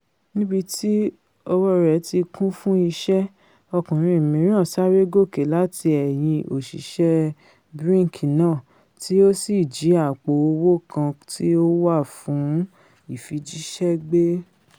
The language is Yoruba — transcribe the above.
Níbití ọwọ́ rẹ̀ ti kún fún iṣẹ́, ọkùnrin mìíràn ''sáré gòkè láti ẹ̀yìn òṣìṣẹ́ Brink náà'' tí ó sì jí àpò owó kan tí ó wà fún ìfijíṣẹ́ gbé.